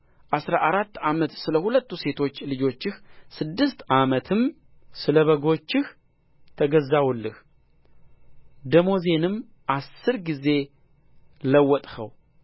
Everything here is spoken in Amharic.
አሥራ አራት ዓመት ስለ ሁለቱ ሴቶች ልጆችህ ስድስት ዓመትም ስለ በጎችህ ተገዛሁልህ ደመወዜንም አሥር ጊዜ ለዋወጥኸው